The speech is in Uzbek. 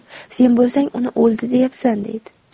sen bo'lsang uni o'ldi deyapsan deydi